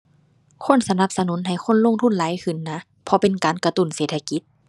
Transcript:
ควรสนับสนุนให้คนลงทุนหลายขึ้นนะ เพราะเป็นการกระตุ้นเศรษฐกิจ